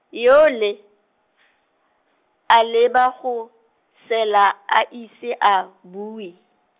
yole , a leba go, sele a ise a, bue.